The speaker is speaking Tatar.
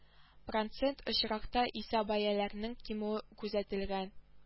Процент очракта исә бәяләрнең кимүе күзәтелгән